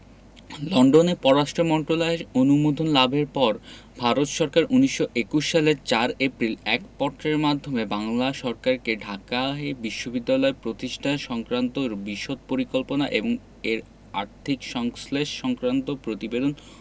লন্ডনে পররাষ্ট্র মন্ত্রলায়ের অনুমোদন লাভের পর ভারত সরকার ১৯২১ সালের ৪ এপ্রিল এক পত্রের মাধ্যমে বাংলা সরকারকে ঢাকায় বিশ্ববিদ্যালয় প্রতিষ্ঠা সংক্রান্ত বিশদ পরিকল্পনা এবং এর আর্থিক সংশ্লেষ সংক্রান্ত প্রতিবেদন